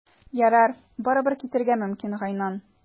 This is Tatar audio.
Ярар, барыбер, китәргә мөмкин, Гайнан.